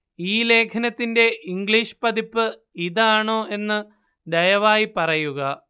ഈ ലേഖനത്തിന്റെ ഇംഗ്ലീഷ് പതിപ്പ് ഇത് ആണോ എന്ന് ദയവായി പറയുക